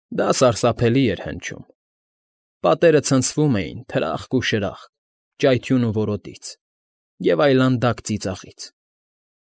Դա սարսափելի էր հնչում։ Պատերը ցնցվում էին «թրախկ ու շրախկ», «ճայթյուն ու որոտ»֊ից և այլանդակ ծիծաղից։